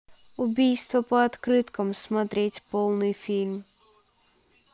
убийство по открыткам смотреть полный фильм